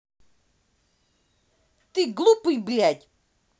ты глупый блядь